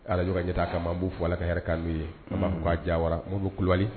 Alajjata taa ka ma b'u fɔ ala ka yɛrɛ kan n'u ye an b' fɔ k'a jan wa mori bɛ kubali